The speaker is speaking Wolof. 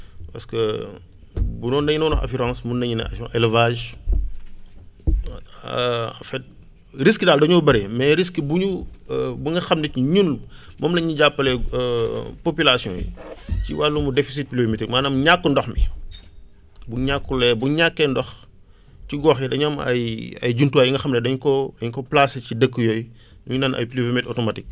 parce que bu doon dañ doon wax assurance mun nañu ne élevage en fait risques yi daal dañoo bëri mais risque bu ñu bu ngeen xam ne ñun moom la ñu jàppalee populations yi ci wàllum déficit pluviométrie maanaam ñàkk ndox mi bu ñàkkulee bu ñàkkee ndox ci gox yi dañoo am ay ay jumtuwaay yi nga xam ne dañ koo dañ ko placer ci dëkk yooyu yuñ naan ay pluviomètres automatiques